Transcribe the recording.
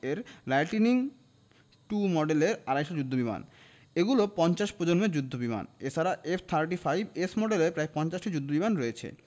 এর lightning two মডেলের আড়াই শ যুদ্ধবিমান এগুলো পঞ্চম প্রজন্মের যুদ্ধবিমান এ ছাড়া এফ থার্টি ফাইভ এস মডেলের প্রায় ৫০টি যুদ্ধবিমান রয়েছে